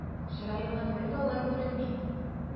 Чыраеңнан бер дә алай күренми!